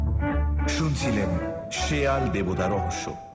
শুনছিলেন শেয়াল দেবতা রহস্য